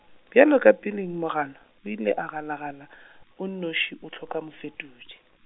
bjalo ka peleng mogala, o ile a galagala, o nnoši o hloka mofetodi.